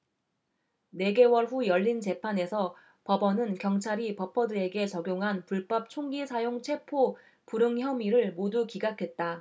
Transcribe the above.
네 개월 후 열린 재판에서 법원은 경찰이 버퍼드에게 적용한 불법 총기 사용 체포 불응 혐의를 모두 기각했다